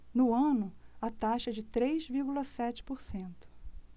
no ano a taxa é de três vírgula sete por cento